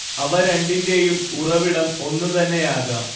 അവ രണ്ടിന്റേയും ഉറവിടം ഒന്നുതന്നെയാകാം